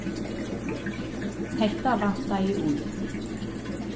hetta vantaði í